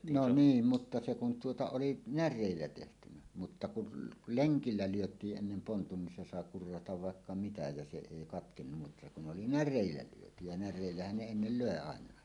no niin mutta se kun tuota oli näreillä tehty mutta kun lenkillä lyötiin ennen pontut niin se sai kurrata vaikka mitä ja se ei katkennut mutta kun oli näreillä lyöty ja näreillähän ne ennen löi aina